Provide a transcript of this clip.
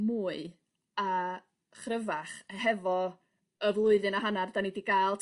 mwy a chryfach hefo y flwyddyn a hannar 'dan ni 'di ga'l